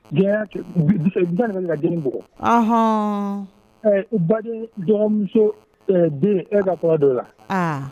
Ba ka g koɔn ba jɔnmuso den e ka kɔrɔ dɔ la